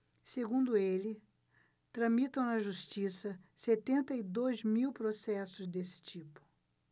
segundo ele tramitam na justiça setenta e dois mil processos desse tipo